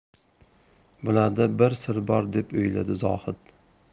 bularda bir sir bor deb o'yladi zohid